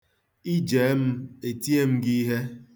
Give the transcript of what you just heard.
I jee m, eti m gị ihe.